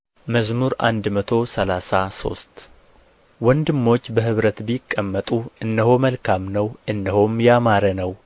መዝሙር መቶ ሰላሳ ሶስት ወንድሞች በኅብረት ቢቀመጡ እነሆ መልካም ነው እነሆም ያማረ ነው